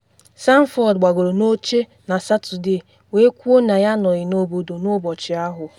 Sanford gbagoro n’oche na Satọde wee kwuo na ya anọghị n’obodo n’ụbọchị ahụ.